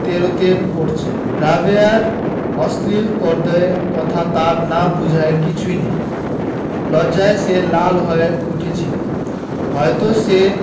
তেরোতে পড়েছে রাবেয়ার অশ্লীল কদৰ্য কথা তার না বুঝার কিছুই নেই লজ্জায় সে লাল হয়ে উঠেছিলো হয়তো সে